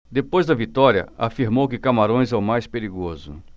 depois da vitória afirmou que camarões é o mais perigoso